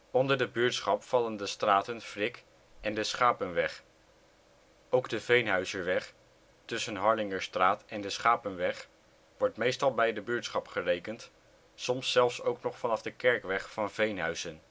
Onder de buurtschap vallen de straten Frik en de Schapenweg. Ook de Veenhuizerweg, tussen Harlingerstraat en de Schapenweg, wordt meestal bij de buurtschap gerekend, soms zelfs ook nog vanaf de Kerkweg van Veenhuizen